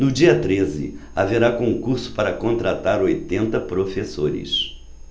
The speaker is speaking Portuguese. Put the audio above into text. no dia treze haverá concurso para contratar oitenta professores